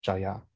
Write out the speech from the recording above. Joio.